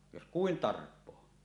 jos kuinka tarpoo